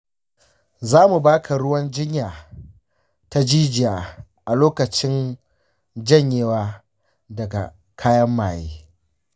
za mu ba ka ruwan jinya ta jijiya a lokacin janyewa daga kayan maye.